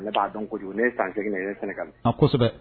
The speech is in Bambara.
Ne b'a dɔn kojugu ne ye san tigɛ i ye sɛnɛ ka kosɛbɛ